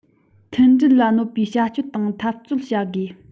མཐུན སྒྲིལ ལ གནོད པའི བྱ སྤྱོད དང འཐབ རྩོད བྱ དགོས